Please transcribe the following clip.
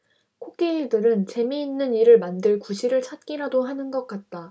코끼리들은 재미있는 일을 만들 구실을 찾기라도 하는 것 같다